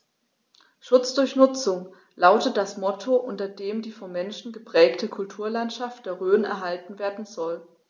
„Schutz durch Nutzung“ lautet das Motto, unter dem die vom Menschen geprägte Kulturlandschaft der Rhön erhalten werden soll.